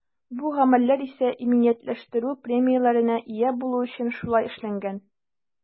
Бу гамәлләр исә иминиятләштерү премияләренә ия булу өчен шулай эшләнгән.